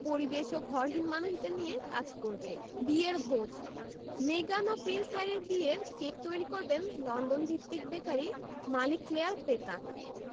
পরিবেশ ও ঘরহীন মানুষদের নিয়ে কাজ করে বিয়ের ভোজ মেগান ও প্রিন্স হ্যারির বিয়ের কেক তৈরি করবেন লন্ডনভিত্তিক বেকারি মালিক ক্লেয়ার পেতাক